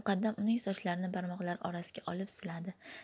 muqaddam uning sochlarini barmoqlari orasiga olib siladi